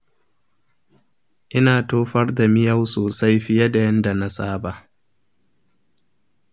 ina tofar da miyau sosai fiye da yanda na saba.